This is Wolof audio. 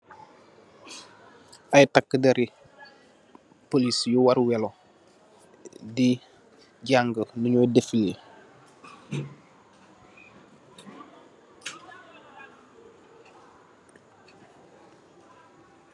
Ay taka deri police yu warr welo di janga nu nyu defele.